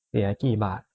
เสียกี่บาท